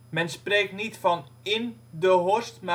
Men spreekt niet van in de